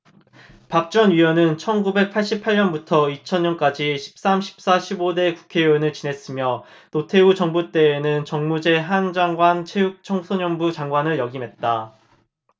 박 전 의원은 천 구백 팔십 팔 년부터 이천 년까지 십 삼 십 사 십 오 대 국회의원을 지냈으며 노태우 정부 때에는 정무제 한 장관 체육청소년부 장관을 역임했다